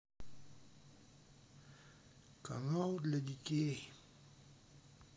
канал для детей